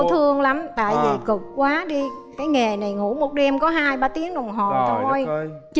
cô thương lắm tại vì cực quá đi cái nghề này ngủ một đêm có hai ba tiếng đồng hồ thôi chín